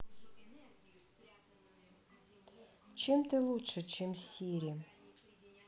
чем ты лучше чем сири